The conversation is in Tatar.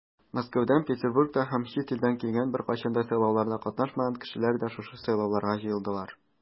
Мәскәүдән, Петербургтан һәм чит илдән килгән, беркайчан да сайлауларда катнашмаган кешеләр дә шушы сайлауларга җыелдылар.